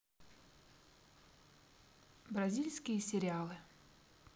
бразильские сериалы